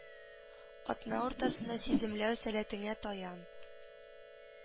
Атна уртасында сиземләү сәләтеңә таян